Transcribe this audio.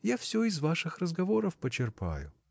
Я всё из ваших разговоров почерпаю.